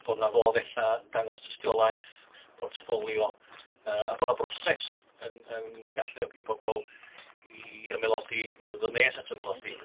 Bod 'na fodd ella dangos tystiolaeth, portffolio, yy a bod 'na broses yn yn galluogi pobl i ymaelodi neu ddod yn nes at ymaelodi.